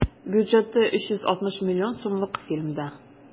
Бюджеты 360 миллион сумлык фильмда.